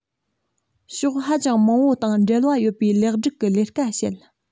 ཕྱོགས ཧ ཅང མང པོ དང འབྲེལ བ ཡོད པའི ལེགས སྒྲིག གི ལས ཀ བྱེད